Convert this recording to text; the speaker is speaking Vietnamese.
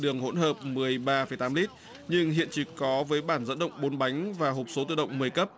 đường hỗn hợp mười ba phẩy tám lít nhưng hiện chỉ có với bản dẫn động bốn bánh và hộp số tự động mười cấp